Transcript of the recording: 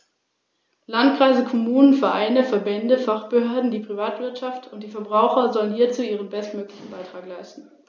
Hannibal nahm den Landweg durch das südliche Gallien, überquerte die Alpen und fiel mit einem Heer in Italien ein, wobei er mehrere römische Armeen nacheinander vernichtete.